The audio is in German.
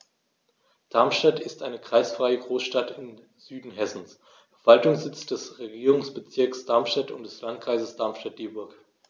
Darmstadt ist eine kreisfreie Großstadt im Süden Hessens, Verwaltungssitz des Regierungsbezirks Darmstadt und des Landkreises Darmstadt-Dieburg.